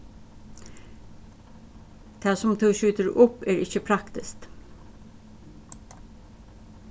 tað sum tú skjýtur upp er ikki praktiskt